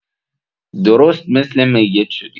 درست مثل میت شدی.